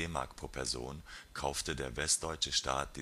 D-Mark pro Person kaufte der westdeutsche Staat